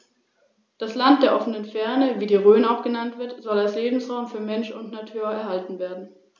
Das Weibchen kann eine Körperlänge von 90-100 cm erreichen; das Männchen ist im Mittel rund 10 cm kleiner.